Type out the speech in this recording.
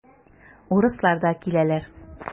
Урыслар да киләләр.